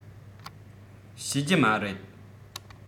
ཤེས རྒྱུ མ རེད